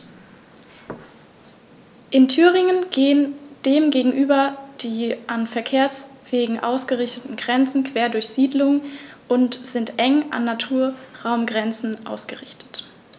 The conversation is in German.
In Thüringen gehen dem gegenüber die an Verkehrswegen ausgerichteten Grenzen quer durch Siedlungen und sind eng an Naturraumgrenzen ausgerichtet.